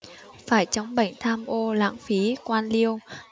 phải chống bệnh tham ô lãng phí quan liêu